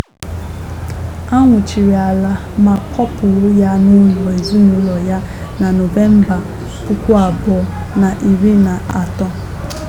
A nwụchiri Alaa ma kpọpụ ya n'ụlọ ezinụlọ ya na Nọvemba 2013.